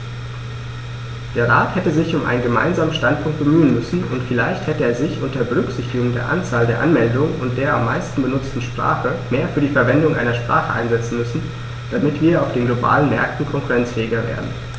Der Rat hätte sich um einen gemeinsamen Standpunkt bemühen müssen, und vielleicht hätte er sich, unter Berücksichtigung der Anzahl der Anmeldungen und der am meisten benutzten Sprache, mehr für die Verwendung einer Sprache einsetzen müssen, damit wir auf den globalen Märkten konkurrenzfähiger werden.